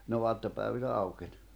ne aattopäivinä aukeni